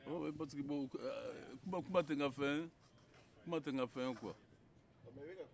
awɔ parce que kuma tɛ n ka fɛn ye kuma tɛ n ka fɛn ye quoi